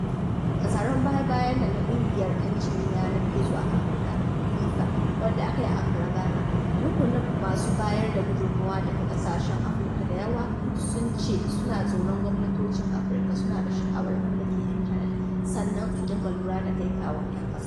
A taron baya-bayan nan na ƙungiyar 'yancin yanar gizo a Afirka (FIFA) wanda aka yi a Accra, Ghana, rukunin masu bayar da gudummawa daga ƙasashen Afirka da yawa duk sun ce suna tsoron gwamnatocin Afirka suna da sha'awar mallake intanet sannan su dinga lura da kai-kawon 'yan ƙasa.